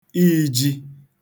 iījī